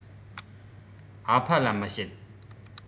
ཨ ཕ ལ མི བཤད